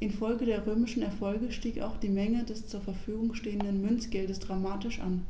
Infolge der römischen Erfolge stieg auch die Menge des zur Verfügung stehenden Münzgeldes dramatisch an,